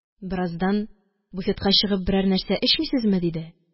Бераздан: – Буфетка чыгып, берәр нәрсә эчмисезме? – диде.